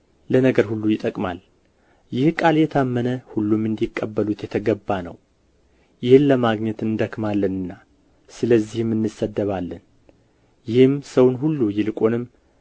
ለነገር ሁሉ ይጠቅማል ይህ ቃል የታመነ ሁሉም እንዲቀበሉት የተገባ ነው ይህን ለማግኘት እንደክማለንና ስለዚህም እንሰደባለን ይህም ሰውን ሁሉ ይልቁንም